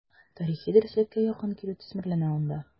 Тарихи дөреслеккә якын килү төсмерләнә анда.